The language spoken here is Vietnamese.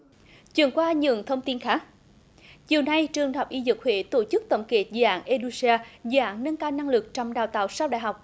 chuyển qua những thông tin khác chiều nay trường đại học y dược huế tổ chức tổng kết dự án ê đu xi a dạng nâng cao năng lực trong đào tạo sau đại học